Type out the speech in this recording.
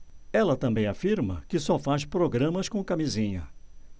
ela também afirma que só faz programas com camisinha